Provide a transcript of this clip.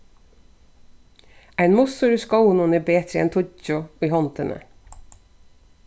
ein mussur í skóginum er betri enn tíggju í hondini